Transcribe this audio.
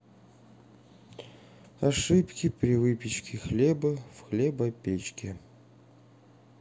ошибки при выпечке хлеба в хлебопечке